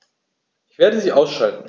Ich werde sie ausschalten